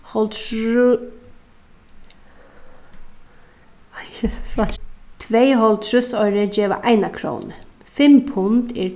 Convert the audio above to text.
oys tvey hálvtrýssoyru geva eina krónu fimm pund er